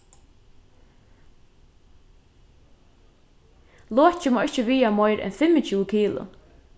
lokið má ikki viga meira enn fimmogtjúgu kilo